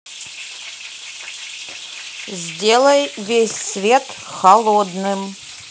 сделай весь свет холодным